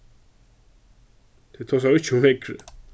tey tosaðu ikki um veðrið